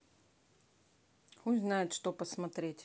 хуй знает что посмотреть